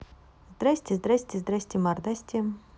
здрасте здрасте здрасте мордасти